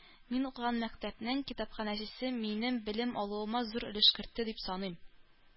Мин укыган мәктәпнең китапханәчесе минем белем алуыма зур өлеш кертте дип саныйм